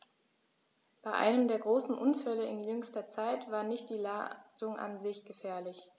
Bei einem der großen Unfälle in jüngster Zeit war nicht die Ladung an sich gefährlich.